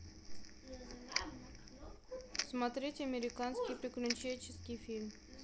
смотреть американский приключенческий фильм